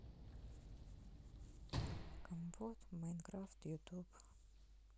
компот майнкрафт ютуб